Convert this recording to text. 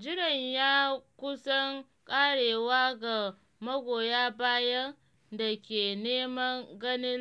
Jiran ya kusan karewa ga magoya bayan da ke neman ganin